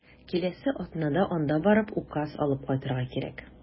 Киләсе атнада анда барып, указ алып кайтырга кирәк.